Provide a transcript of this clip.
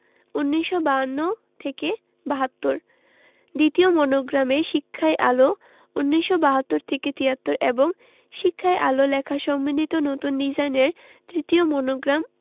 ১৯৫২ থেকে৭২ দ্বিতীয় মনোগ্রামে শিক্ষাই আলো ১৯৭২ থেকে ৭৩ এবং শিক্ষাই আলো লেখা সম্বলিত নতুন ডিজাইনের তৃতীয় মনোগ্রাম